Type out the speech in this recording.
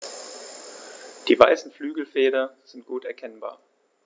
Die weißen Flügelfelder sind gut erkennbar.